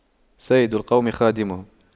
سيد القوم خادمهم